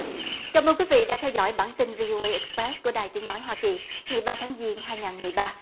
cảm ơn quý vị đã theo dõi bản tin vi ô ây ích bét của đài tiếng nói hoa kỳ ngày ba tháng giêng hai ngàn mười ba